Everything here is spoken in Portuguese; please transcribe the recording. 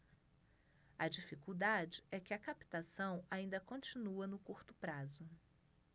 a dificuldade é que a captação ainda continua no curto prazo